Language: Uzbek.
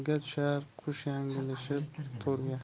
tushar qush yanglishib to'rga